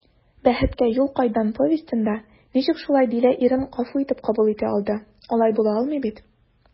«бәхеткә юл кайдан» повестенда ничек шулай дилә ирен гафу итеп кабул итә алды, алай була алмый бит?»